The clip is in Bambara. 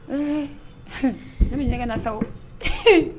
Ee ne bɛ nɛgɛ na sa